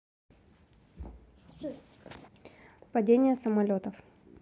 падение самолетов